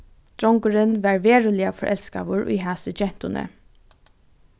drongurin var veruliga forelskaður í hasi gentuni